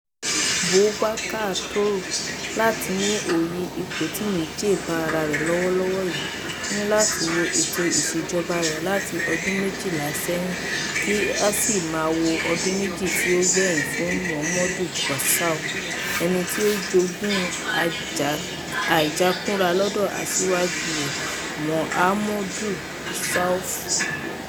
Boubacar Touré (BT): Láti lè ní òye ipò tí Niger bá ara rẹ̀ lọ́wọ́lọ́wọ́ yìí, o ní láti wo ètò ìṣèjọba rẹ̀ láti ọdún 12 sẹ́yìn, kí á sì má wo ọdún méjì tí ó gbẹ̀yìn fún Mohamed Bazoum, ẹni tí ó jogún àìjákúnra lọ́dọ̀ aṣáájú rẹ̀ Mahamadou Issoufou.